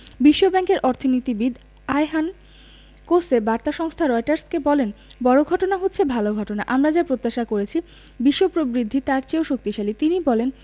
বিশ্বব্যাংকের অর্থনীতিবিদ Ayhan Kose বার্তা সংস্থা রয়টার্সকে বলেন বড় ঘটনা হচ্ছে ভালো ঘটনা আমরা যা প্রত্যাশা করেছি বিশ্ব প্রবৃদ্ধি তার চেয়েও শক্তিশালী তিনি বলেন